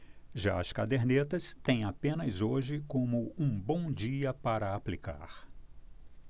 já as cadernetas têm apenas hoje como um bom dia para aplicar